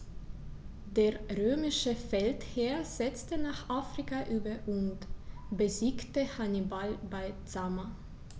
Der römische Feldherr setzte nach Afrika über und besiegte Hannibal bei Zama.